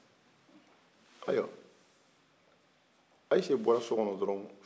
ayiwa ayise bɔra so kɔnɔ dron